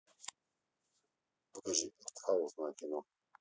покажи артхаусное кино